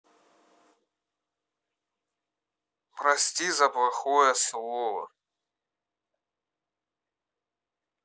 прости за плохое слово